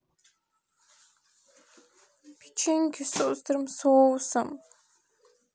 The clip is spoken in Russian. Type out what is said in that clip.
печеньки с острым соусом